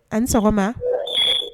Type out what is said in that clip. An sɔgɔma